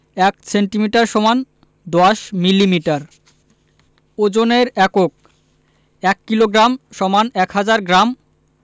১ centimetre = ১০ millimetre ওজনের এককঃ ১ kilogram = ১০০০ গ্রাম